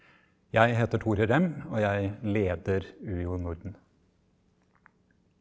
jeg heter Tore Rem og jeg leder UiO Norden.